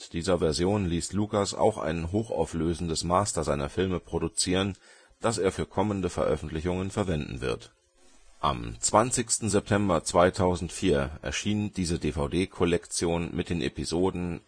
dieser Version ließ Lucas auch ein hochauflösendes Master seiner Filme produzieren, das er für kommende Veröffentlichungen verwenden wird. Am 20. September 2004 erschien diese DVD-Kollektion mit den Episoden